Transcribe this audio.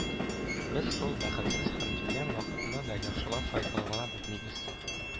Без шул бәхетсез һәм килгән вакытны да яхшылап файдалана белмибез.